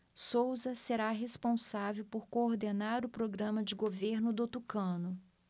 souza será responsável por coordenar o programa de governo do tucano